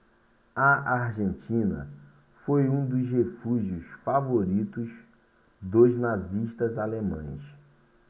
a argentina foi um dos refúgios favoritos dos nazistas alemães